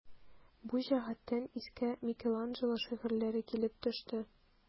Бу җәһәттән искә Микеланджело шигырьләре килеп төште.